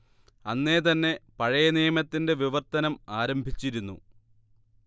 അന്നേ തന്നെ പഴയ നിയമത്തിന്റെ വിവർത്തനം ആരംഭിച്ചിരുന്നു